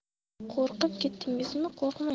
qo'rqib ketdingizmi qo'rqmang